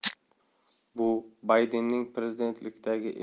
bu baydenning prezidentlikdagi